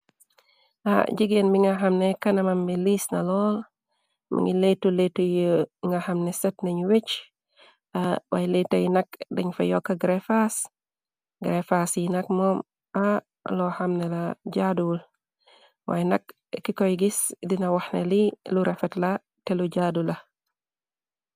jigeen mi nga xamne kanamam bi liis na lool mi ngi leytuletu yu nga xamne set nañu wëccwaay letay nak dañ fa yokk grafas grafaas yi nak moom a loo xamne la jaaduul waay nak ki koy gis dina waxne li lu refet la te lu jaadu la